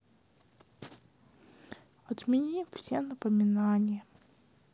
отмени все напоминания